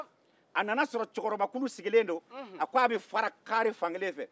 a nana a sɔrɔ cɛkɔrɔbakulu sigilen don a ko a bɛ fara kaare fan kelen fɛ